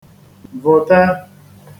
vụ̀te